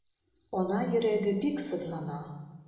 Ана йөрәге бик сызлана.